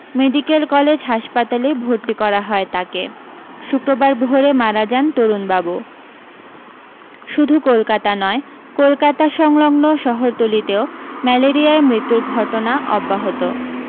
medical college হাসপাতালে ভর্তি করা হয় তাঁকে শুক্রবার ভোরে মারা যান তরুণবাবু শুধু কলকাতা নয় কলকাতা সংলগ্ন শহরতলীতেও ম্যালেরিয়ায় মৃত্যুর ঘটনা অব্যাহত